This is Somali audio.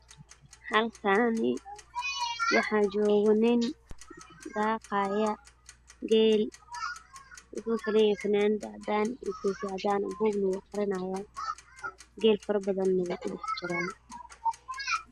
Waxaa taagan geel farabadan waxaa ag taagan nin xiran fanaanad cadaan oo gacanta ku haysta book cadaan ah